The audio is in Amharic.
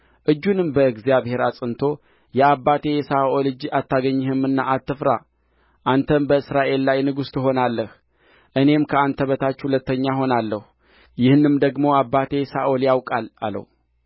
እጁንም በእግዚአብሔር አጽንቶ የአባቴ የሳኦል እጅ አታገኝህምና አትፍራ አንተም በእስራኤል ላይ ንጉሥ ትሆናለህ እኔም ከአንተ በታች ሁለተኛ እሆናለሁ ይህን ደግሞ አባቴ ሳኦል ያውቃል አለው